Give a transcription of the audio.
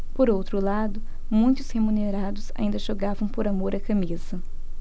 por outro lado muitos remunerados ainda jogavam por amor à camisa